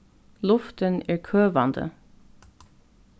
luftin er køvandi